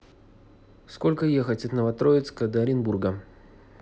сколько ехать от новотроицка до оренбурга